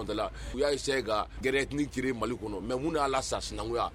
Alihamidala, u y'a essayé ka guerre ethnique créer Mali kɔnɔ mais mun de y'a la sa ?Sinankuya.